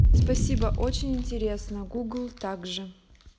спасибо очень интересно google также